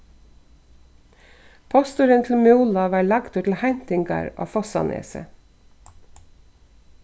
posturin til múla varð lagdur til heintingar á fossánesi